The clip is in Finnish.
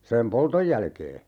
sen polton jälkeen